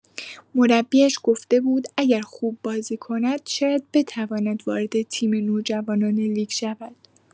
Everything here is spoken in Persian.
مربی‌اش گفته بود اگر خوب بازی کند شاید بتواند وارد تیم نوجوانان لیگ شود.